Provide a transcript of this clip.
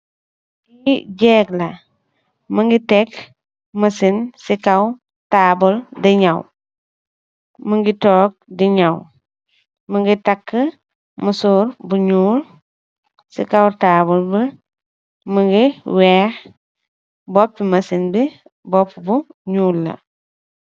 Li jeek la mungi tek machine si kaw tabul di nyaw mungi tok di nyaw mungi takuh musor bu nyul si kaw tabul bi mungi weex si bopi machine bi bopbu nyul la